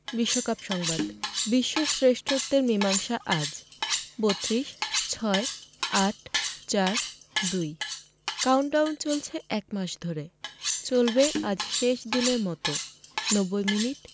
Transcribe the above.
বিশ্বকাপ সংবাদ বিশ্ব শ্রেষ্ঠত্বের মীমাংসা আজ ৩২ ১৬ ৮ ৪ ২ কাউন্টডাউন চলছে এক মাস ধরে চলবে আজ শেষ দিনের মতো ৯০ মিনিট